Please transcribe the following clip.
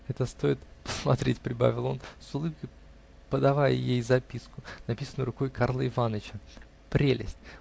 Это стоит посмотреть, -- прибавил он с улыбкой, подавая ей записку, написанную рукою Карла Иваныча, -- прелесть!